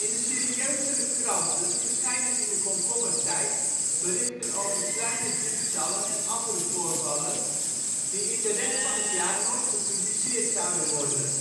de serieuzere kranten verschijnen in de komkommertijd berichten over kleine diefstallen en andere voorvallen, die in de rest van het jaar nooit gepubliceerd zouden worden